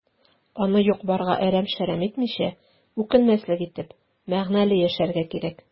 Аны юк-барга әрәм-шәрәм итмичә, үкенмәслек итеп, мәгънәле яшәргә кирәк.